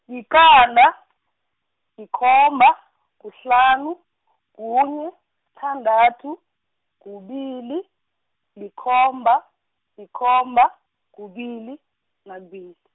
yiqanda , yikomba, kuhlanu, kunye, sithandathu, kubili, likhomba, yikomba, kubili, nakubili .